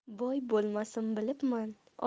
boy bo'lmasim bilibman